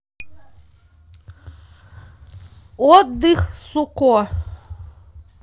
отдых суко